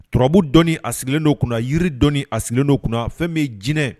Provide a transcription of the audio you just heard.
Turabu dɔnni a sigilen don kunna, jiri dɔnni a sigilen don kunna. Fɛn min ye jinɛ